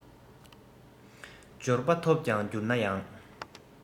འབྱོར པ ཐོབ པར གྱུར ན ཡང